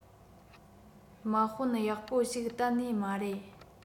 དམག དཔོན ཡག པོ ཞིག གཏན ནས མ རེད